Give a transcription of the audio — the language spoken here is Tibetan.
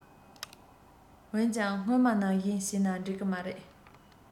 འོན ཀྱང སྔོན མ ནང བཞིན བྱས ན འགྲིག གི མ རེད